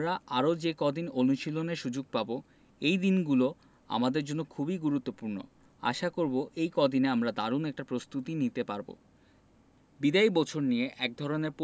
ওরাও আমাদের জানে অবশ্য আমরা আরও যে কদিন অনুশীলনের সুযোগ পাব এই দিনগুলো আমাদের জন্য খুবই গুরুত্বপূর্ণ আশা করব এই কদিনে আমরা দারুণ একটা প্রস্তুতি নিতে পারব